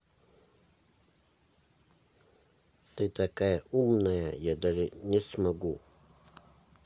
ты такая умная я даже не смогу